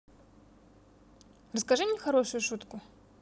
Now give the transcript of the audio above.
расскажи мне хорошую шутку